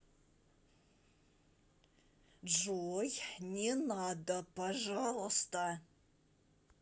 джой не надо пожалуйста